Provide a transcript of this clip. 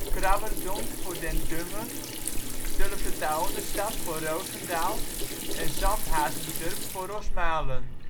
Krabberdonk: Den Dungen, Tullepetaonestad: Roosendaal en Zandhazendurp: Rosmalen